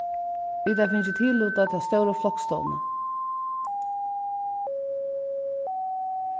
vit hava fingið tillutað ta stóru floksstovuna